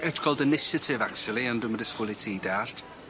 Ie it's called initiative actually, ond dwi'm yn disgwl i ti dallt.